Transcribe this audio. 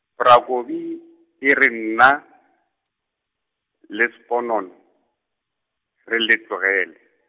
bra Kobi, e re nna, le Sponono, re le tlogele.